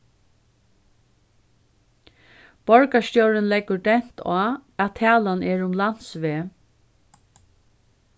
borgarstjórin leggur dent á at talan er um landsveg